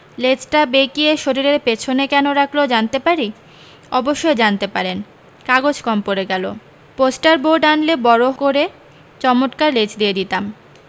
লেজটা বেঁকিয়ে শরীরের পেছনে কেন রাখল জানতে পারি অবশ্যই জানতে পারেন কাগজ কম পড়ে গেল পোস্টার বোর্ড আয়ে বড় করে চমৎকার লেজ দিয়ে দিতাম